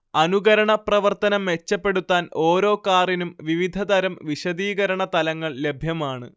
അനുകരണ പ്രവർത്തനം മെച്ചപ്പെടുത്താൻ ഓരോ കാറിനും വിവിധ തരം വിശദീകരണ തലങ്ങൾ ലഭ്യമാണ്